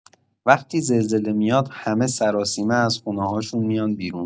وقتی زلزله میاد، همه سراسیمه از خونه‌هاشون میان بیرون.